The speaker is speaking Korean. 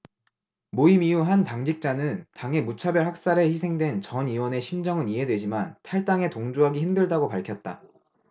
모임 이후 한 당직자는 당의 무차별 학살에 희생된 전 의원의 심정은 이해되지만 탈당에 동조하기 힘들다고 밝혔다